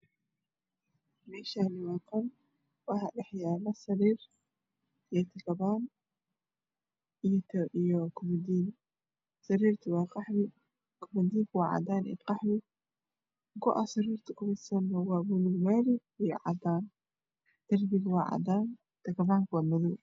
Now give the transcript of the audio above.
Meeshaani waa qol waxaa dhex yaalo sariir, katabaan iyo koobadiin. Sariirtu waa qaxwi, koobadiinku waa cadaan iyo qaxwi, go'a sariirta ku fidsana waa buluug maari iyo cadaan, darbigu waa cadaan, katabaanku waa madow.